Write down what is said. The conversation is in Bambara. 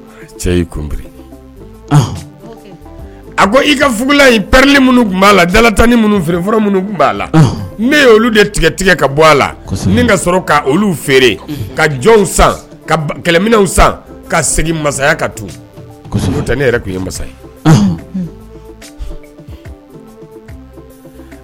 A ko i kaugulari minnu b'a la tanani minnu feere minnu b'a la n ye olu de tigɛ tigɛ ka bɔ a la ka sɔrɔ ka olu feere ka jɔnw san kɛlɛminw san ka segin masaya ka tɛ ne yɛrɛ tun ye masa